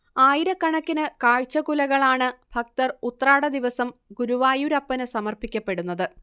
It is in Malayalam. ആയിരക്കണക്കിന് കാഴ്ചകുലകളാണ് ഭക്തർ ഉത്രാടദിവസം ഗുരുവായൂരപ്പനു സമർപ്പിക്കപെടുന്നത്